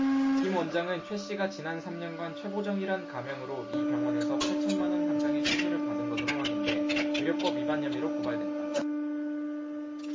김 원장은 최씨가 지난 삼 년간 최보정이란 가명으로 이 병원에서 팔천 만원 상당의 시술을 받은 것으로 확인돼 의료법 위반 혐의로 고발됐다